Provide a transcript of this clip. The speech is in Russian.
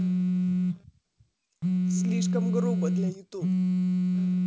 слишком грубо для youtube